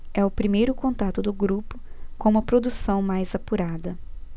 é o primeiro contato do grupo com uma produção mais apurada